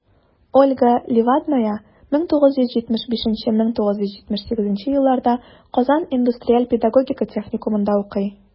Ольга Левадная 1975-1978 елларда Казан индустриаль-педагогика техникумында укый.